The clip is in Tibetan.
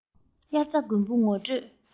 དབྱར རྩྭ དགུན འབུ ངོ སྤྲོད